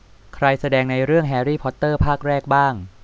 ใครแสดงในเรื่องแฮรี่พอตเตอร์ภาคแรกบ้าง